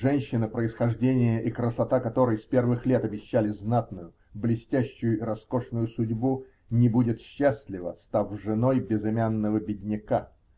Женщина, происхождение и красота которой с первых лет обещали знатную, блестящую и роскошную судьбу, не будет счастлива, став женой безымянного бедняка.